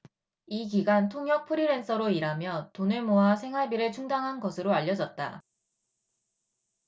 이 기간 통역 프리랜서로 일하며 돈을 모아 생활비를 충당한 것으로 알려졌다